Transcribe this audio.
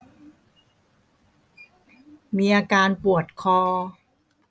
มีอาการปวดคอ